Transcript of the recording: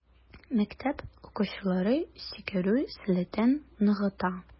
Мәктәп укучылары сикерү сәләтен ныгыта.